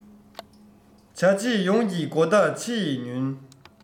བྱ བྱེད ཡོངས ཀྱི མགོ ལྟག ཕྱེ ཡི ཉོན